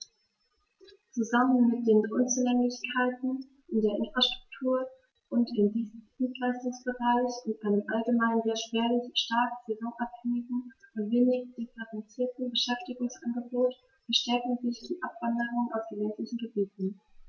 Zusammen mit den Unzulänglichkeiten in der Infrastruktur und im Dienstleistungsbereich und einem allgemein sehr spärlichen, stark saisonabhängigen und wenig diversifizierten Beschäftigungsangebot verstärken sie die Abwanderung aus den ländlichen Gebieten.